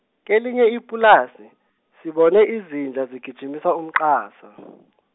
kelinye ipulasi, sibona izinja zigijimisa umqasa .